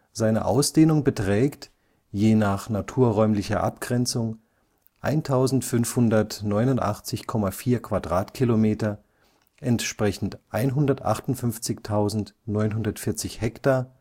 Seine Ausdehnung beträgt, je nach naturräumlicher Abgrenzung, 1589,4 km² entsprechend 158.940 Hektar